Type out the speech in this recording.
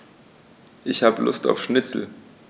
Ich habe Lust auf Schnitzel.